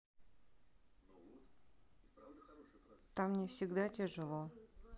там не всегда тяжело